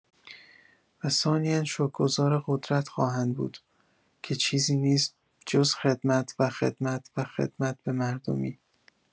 و ثانیا شکرگزار قدرت خواهند بود که چیزی نیست جز خدمت و خدمت و خدمت به مردمی